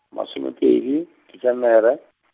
masomepedi, Desemere.